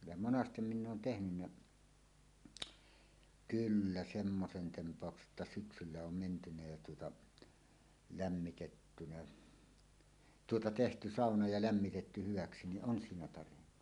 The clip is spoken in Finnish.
ja monesti minä olen tehnyt kyllä semmoisen tempauksen että syksyllä on menty ja tuota lämmitetty tuota tehty sauna ja lämmitetty hyväksi niin on siinä tarjennut